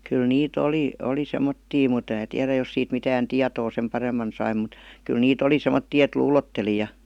kyllä niitä oli oli semmoisia mutta en minä tiedä jos siitä mitään tietoa sen paremmin sai mutta kyllä niitä oli semmoisia että luulotteli ja